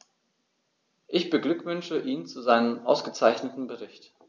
Ich beglückwünsche ihn zu seinem ausgezeichneten Bericht.